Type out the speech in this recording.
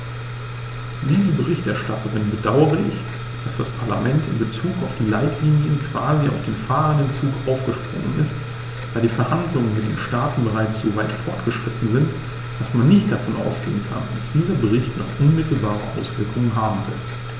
Wie die Berichterstatterin bedaure ich, dass das Parlament in bezug auf die Leitlinien quasi auf den fahrenden Zug aufgesprungen ist, da die Verhandlungen mit den Staaten bereits so weit fortgeschritten sind, dass man nicht davon ausgehen kann, dass dieser Bericht noch unmittelbare Auswirkungen haben wird.